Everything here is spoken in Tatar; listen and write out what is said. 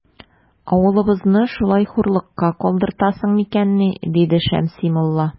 Авылыбызны шулай хурлыкка калдыртасың микәнни? - диде Шәмси мулла.